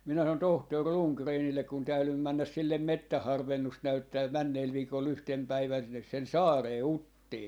minä sanoin tohtori Rundgrenille kun täydyin mennä sille metsän harvennusta näyttämään menneellä viikolla yhtenä päivänä sinne sen saareen Uttiin